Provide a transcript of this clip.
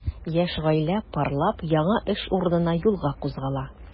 Яшь гаилә парлап яңа эш урынына юлга кузгала.